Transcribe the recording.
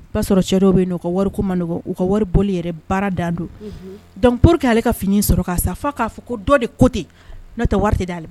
I ba sɔrɔ cɛw be yen nɔ u ka wari ko man nɔkɔ. U ka wari boli yɛrɛ baara dan don donc Pourque ale ka fini sɔrɔ ka san fo a ka fɔ ko dɔ de kote no tɛ wari ti dale